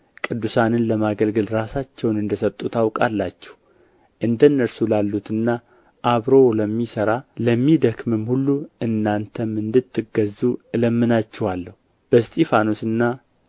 ቅዱሳንንም ለማገልገል ራሳቸውን እንደ ሰጡ ታውቃላችሁ እንደ እነርሱ ላሉትና አብሮ ለሚሠራ ለሚደክምም ሁሉ እናንተም እንድትገዙ እለምናችኋለሁ በእስጢፋኖስና